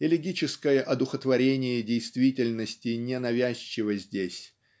Элегическое одухотворение действительности не навязчиво здесь